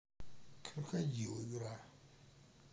крокодил игра